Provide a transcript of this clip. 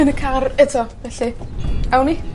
yn y car, eto, felly, awn ni.